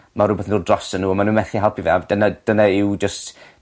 ma' rwbeth yn dod drosto n'w a ma' n'w methu helpu fe a dyna dyna yw jyst